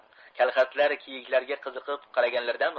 kalxatlar kiyiklarga qiziqib qaraganlaridarni